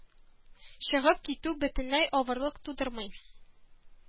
Чыгып китү бөтенләй авырлык тудырмый